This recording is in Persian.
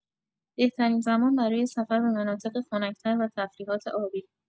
بهترین زمان برای سفر به مناطق خنک‌تر و تفریحات آبی.